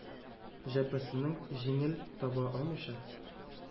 Җөббәсенең җиңен таба алмыйча,